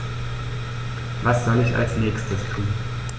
Was soll ich als Nächstes tun?